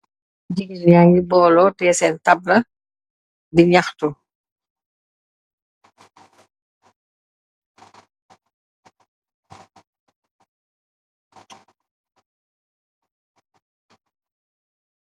Jigéen yaa ngi boolo, Tai sen tapla di ñaxtu